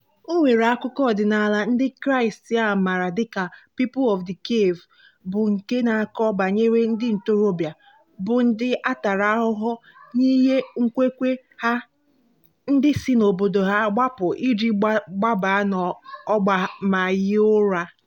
O nwere akụkọ ọdịnala ndị Kraịstị a maara dị ka "People of the Cave", bụ́ nke na-akọ banyere ndị ntorobịa, bụ́ ndị a tara ahụhụ n'ihi nkwenkwe ha, ndị si n'obodo ha gbapụ iji gbaba n'ọgba ma hie ụra.